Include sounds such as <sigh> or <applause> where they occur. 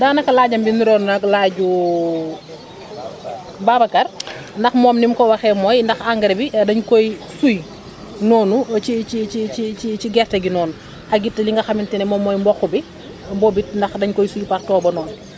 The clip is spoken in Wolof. daanaka laajam bi niroo naag laaju <hesitation> <crosstalk> Babacar <smacks lips> ndax moom ni mu ko waxee mooy ndax engrais bi dañ koy suy noonu ci ci ci ci ci ci gerte gi noonu ak it li nga xamante ne moom mooy mboq bi <crosstalk> boobu it ndax dañ koy suy par toobo noonu